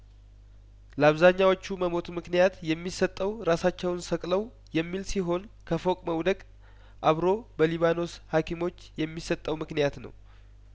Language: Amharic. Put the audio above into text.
ለአብዛኛዎቹ መሞት ምክንያት የሚሰጠው ራሳቸውን ሰቅለው የሚል ሲሆን ከፎቅ መውደቅ አብሮ በሊባኖስ ሀኪሞች የሚሰጠው ምክንያት ነው